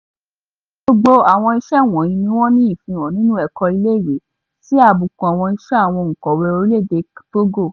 Gbogbo àwọn iṣẹ́ wọ̀nyìí ni wọ́n ní ìfihàn nínú ẹ̀kọ́ ilé-ìwé, sí àbùkù àwọn iṣẹ́ àwọn òǹkọ̀wé orílẹ̀-èdè Togo.